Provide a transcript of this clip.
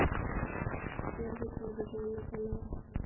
первый телевизионный канал